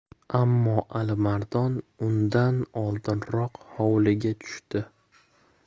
ammo alimardon undan oldinroq hovliga tushdi